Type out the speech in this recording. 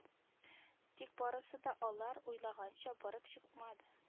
Тик барысы да алар уйлаганча барып чыкмады